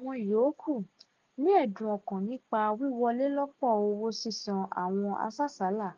Àwọn yòókù, ní ẹ̀dùn ọkàn nípa wíwọlé lọ́pọ̀ owó sísan àwọn asásàálà